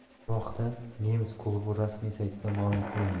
bu haqda nemis klubi rasmiy saytida ma'lum qilindi